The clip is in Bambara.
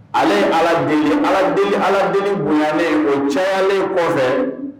Ale ye ala deli alad ala deli bonyalen o cɛyalen kɔfɛ